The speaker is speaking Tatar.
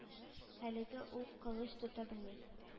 Әлегә ул кылыч тота белми